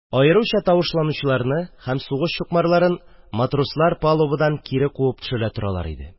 Аеруча тавышланучыларны һәм сугыш чукмарларын матрослар палубадан кире куып төшерә торалар иде.